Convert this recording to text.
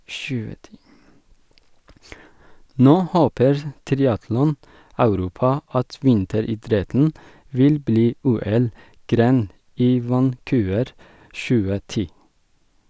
Nå håper triatlon-Europa at vinteridretten vil bli OL-gren i Vancouver 2010.